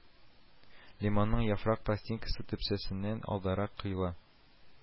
Лимонның яфрак пластинкасы төпсәсенән алдарак коела